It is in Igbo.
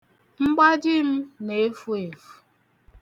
Mgbaji m na-efu efu.